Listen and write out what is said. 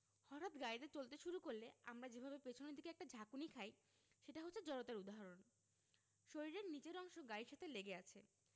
হঠাৎ গাড়ি চলতে শুরু করলে আমরা যেভাবে পেছনের দিকে একটা ঝাঁকুনি খাই সেটা হচ্ছে জড়তার উদাহরণ শরীরের নিচের অংশ গাড়ির সাথে লেগে আছে